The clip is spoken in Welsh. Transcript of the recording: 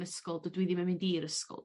ysgol dydw i ddim yn mynd i'r ysgol...